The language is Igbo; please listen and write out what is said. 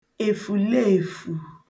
èfùleèfù